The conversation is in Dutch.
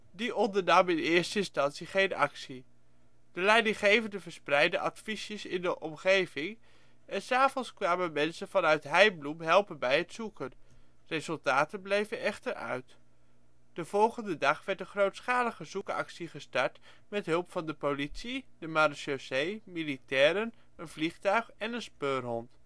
Die ondernam in eerste instantie geen actie. De leidinggevenden verspreidden affiches in de omgeving en ' s avonds kwamen mensen vanuit Heibloem helpen bij het zoeken. Resultaten bleven echter uit. De volgende dag werd een grootschalige zoekactie gestart met hulp van de politie, de marechaussee, militairen, een vliegtuig en een speurhond